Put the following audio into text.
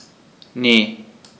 Ne.